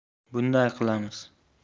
bunday qilamiz